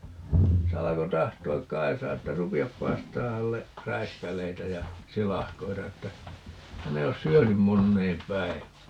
se alkoi tahtoa Kaisaa että rupea paistamaan hänelle räiskäleitä ja silakoita että hän ei ole syönyt moneen päivään